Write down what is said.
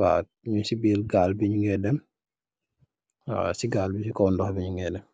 waw nug se birr gaal be nuge dem waw se gaal be se birr noh be nuge dem.